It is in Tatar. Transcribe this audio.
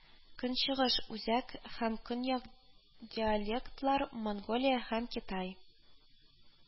Көнчыгыш, үзәк һәм көньяк диалектлар монголия һәм китай